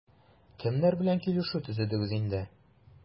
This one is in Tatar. Кемнәр белән килешү төзедегез инде?